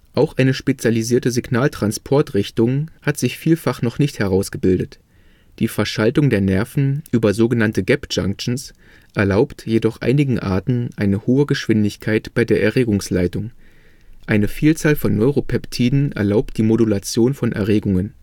Auch eine spezialisierte Signaltransportrichtung hat sich vielfach noch nicht herausgebildet, die Verschaltung der Nerven über sogenannte „ gap junctions “erlaubt jedoch einigen Arten eine hohe Geschwindigkeit bei der Erregungsleitung, eine Vielzahl von Neuropeptiden erlaubt die Modulation von Erregungen